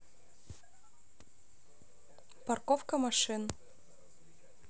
парковка машин